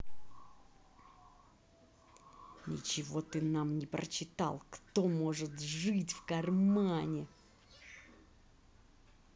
ничего ты нам не прочитал кто может жить в кармане